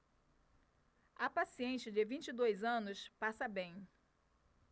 a paciente de vinte e dois anos passa bem